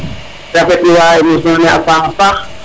rafetlu wa emission ne a paxa paax